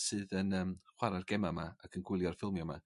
sydd yn yym chwara'r gema 'ma ac yn gwylio'r ffilmia 'ma